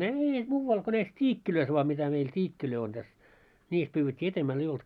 ei muualla kuin näissä tiikeissä vain mitä meillä tiikkejä on tässä niissä pyydettiin edemmällä ei ollut